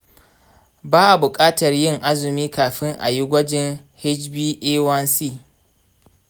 ba a buƙatar yin azumi kafin a yi gwajin hba1c.